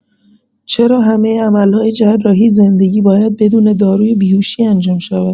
چرا همه عمل‌های جراحی زندگی باید بدون داروی بی‌هوشی انجام شوند؟